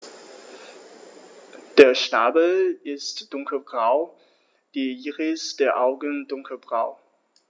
Der Schnabel ist dunkelgrau, die Iris der Augen dunkelbraun.